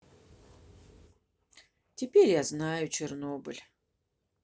теперь я знаю чернобыль